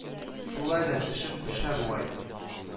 Шулай да эшем пешә бугай